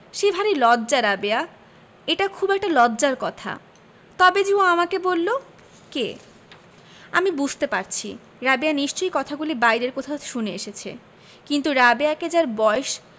সে ভারী লজ্জা রাবেয়া এটা খুব একটা লজ্জার কথা তবে যে ও আমাকে বললো কে আমি বুঝতে পারছি রাবেয়া নিশ্চয়ই কথাগুলি বাইরে কোথাও শুনে এসেছে কিন্তু রাবেয়াকে যার বয়স